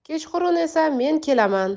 kechqurun esa men kelaman